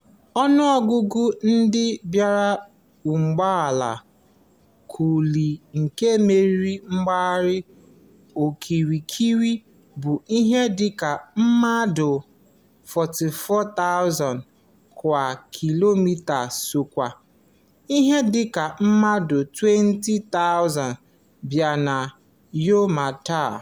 Ọnụọgụgụ ndị bi n'ogbe ala Kowloon nke mmiri gbara okirikiri bụ ihe dị ka mmadụ 44,000 kwa kilomita sụkwe, ihe dị ka mmadụ 20,000 bi na Yau Ma Tei.